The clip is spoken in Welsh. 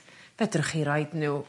fedrwch chi roid n'w